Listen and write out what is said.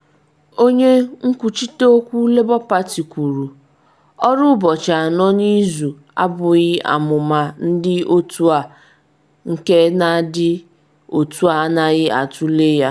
Onye nkwuchite okwu Labour Party kwuru: ‘Ọrụ ụbọchị anọ n’izu abughị amụma ndị otu a nke na ndị otu a anaghị atule ya.’